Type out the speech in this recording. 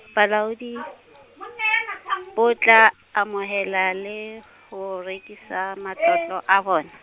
bolaodi, bo tla amohela le ho rekisa matlotlo a bona.